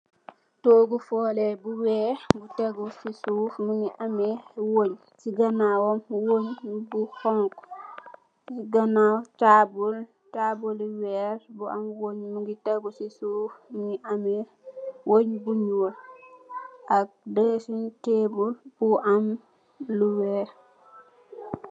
Toguh fuleh bu weex teguh si suff mungi ame wunye si ganawam wunye bu xhong khu si ganaw tabul, tabul bu werr wunye mungi teguh si suff mungi ame wunye bu nyul ak dressing table bu am lu weex